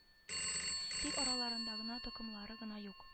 Тик араларында токымлары гына юк